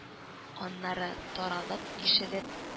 Аннары таралып-ишелеп